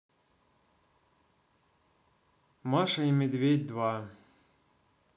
маша и медведь два